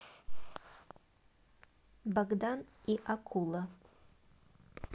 богдан и акула